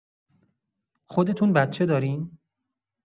خودتون بچه دارین؟